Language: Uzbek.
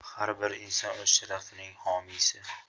har bir inson o'z sharafining homiysi